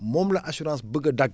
moom la assurance bëgg a da